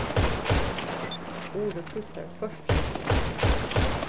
urið títtar hvørt sekund